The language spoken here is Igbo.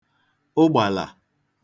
ụgbàlà